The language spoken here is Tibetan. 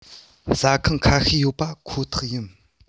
ཟ ཁང ཁ ཤས ཡོད པ ཁོ ཐག ཡིན